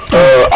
i